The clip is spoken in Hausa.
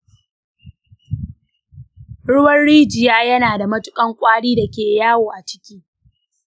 ruwan rijiya yana da matattun ƙwari dake yawo a ciki.